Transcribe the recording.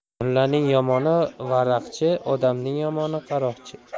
mullaning yomoni varaqchi odamning yomoni qaroqchi